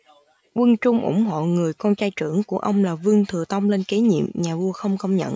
quân trung ủng hộ người con trai trưởng của ông là vương thừa tông lên kế nhiệm nhà vua không công nhận